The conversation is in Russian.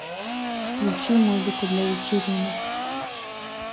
включи музыку для вечеринок